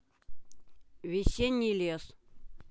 весенний лес